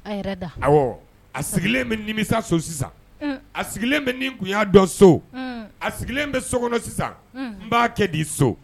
A sigilen bɛ nimisa so a sigilen bɛ nin kun yyaa dɔn so a sigilen bɛ so kɔnɔ sisan n b'a kɛ di so